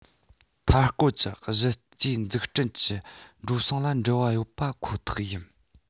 མཐའ སྐོར གྱི གཞི རྩའི འཛུགས སྐྲུན གྱི འགྲོ སོང ལ འབྲེལ བ ཡོད པ ཁོ ཐག ཡིན